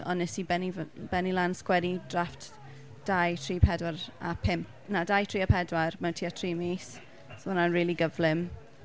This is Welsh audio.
Ond wnes i bennu fyn- bennu lan sgwennu drafft dau tri pedwar a pump. Na dau tri a pedwar mewn tua tri mis, so oedd hwnna'n rili gyflym.